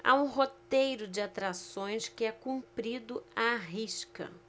há um roteiro de atrações que é cumprido à risca